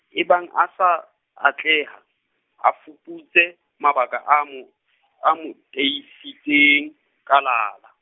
ebang a sa, atleha, a fuputse, mabaka a mo , a mo teisitseng, kalala.